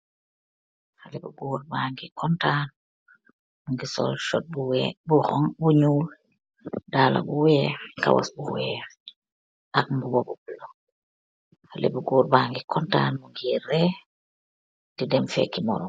Haleh bu goor bi bageih kontan, solmbuba bu bulo ak tubeihyi bu nyeoul nehka ce estaad bi.